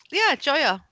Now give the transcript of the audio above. Ie, joio.